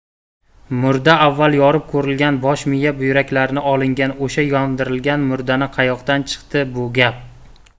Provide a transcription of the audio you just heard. murda avval yorib ko'rilgan bosh miya buyraklari olingan o'sha yondirilgan murdami qayoqdan chiqdi bu gap